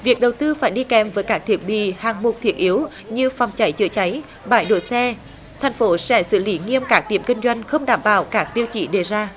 việc đầu tư phải đi kèm với cả thiết bị hạng mục thiết yếu như phòng cháy chữa cháy bãi đỗ xe thành phố sẽ xử lý nghiêm các điểm kinh doanh không đảm bảo cả tiêu chí đề ra